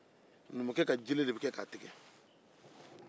n'i y'a fara ɲɔgɔn kan k'a jeni i b'i sigi ka samiyɛ kɔnɔ